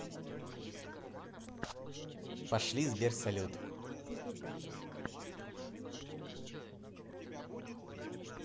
пошли сбер салют